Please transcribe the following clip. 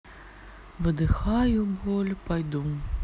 выдыхаю боль пойду